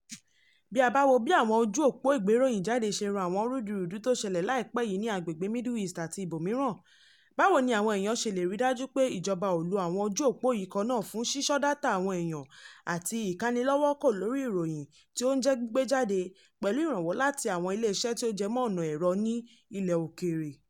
Bí a bá wo bí àwọn ojú òpó ìgberòyìn jáde ṣe rán àwọn rúdurùdu tó ṣẹlẹ̀ laipe yii ní agbègbè Middle East àti ibòmíràn, báwo ni àwọn èèyàn ṣe lè rí dájú pé ìjọba ò lo àwọn ojú òpó yìí kan náà fún ṣíṣọ́ dátà àwọn èèyàn àti ìkánilọ́wọ́kò lórí ìròyìn tí ó ń jẹ́ gbígbé jáde (pẹ̀lú ìrànwọ́ láti àwọn Ileeṣẹ́ tó jẹmọ ọ̀nà ẹ̀rọ ní ilẹ̀ òkèèrè)?